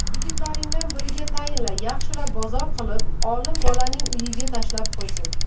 yigitlaringdan biriga tayinla yaxshilab bozor qilib olim bolaning uyiga tashlab qo'ysin